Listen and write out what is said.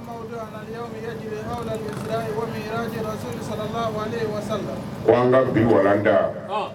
ko an ka bi walanda, anhan